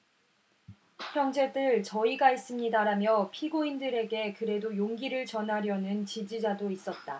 형제들 저희가 있습니다라며 피고인들에게 그래도 용기를 전하려는 지지자도 있었다